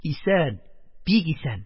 Исән, бик исән!